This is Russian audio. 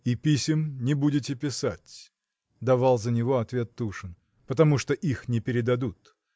— И писем не будете писать, — давал за него ответ Тушин, — потому что их не передадут.